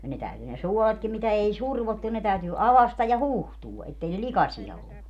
ja ne täytyi ne suoletkin mitä ei survottu ne täytyy aukaista ja huuhtoa että ei ne likaisia ollut